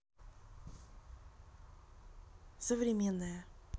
современная